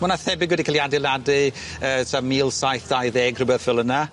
mwy na thebyg wedi ca'l 'i adeladu yy tua ,il saith dau ddeg rhwbeth fel yna.